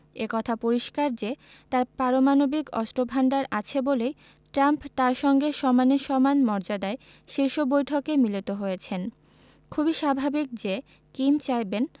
এ কথা পরিষ্কার যে তাঁর পারমাণবিক অস্ত্রভান্ডার আছে বলেই ট্রাম্প তাঁর সঙ্গে সমানে সমান মর্যাদায় শীর্ষ বৈঠকে মিলিত হয়েছেন খুবই স্বাভাবিক যে কিম চাইবেন